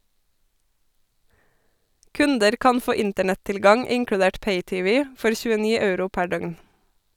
Kunder kan få internett-tilgang inkludert pay-tv for 29 euro per døgn.